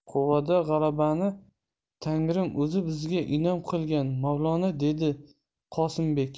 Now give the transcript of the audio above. quvada g'alabani tangrim o'zi bizga inom qilgan mavlono dedi qosimbek